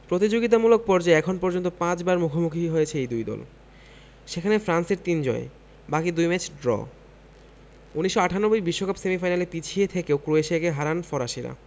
প্রতিযোগিতামূলক পর্যায়ে এখন পর্যন্ত পাঁচবার মুখোমুখি হয়েছে এই দুই দল সেখানে ফ্রান্সের তিন জয় বাকি দুই ম্যাচ ড্র ১৯৯৮ বিশ্বকাপ সেমিফাইনালে পিছিয়ে থেকেও ক্রোয়েশিয়াকে হারায় ফরাসিরা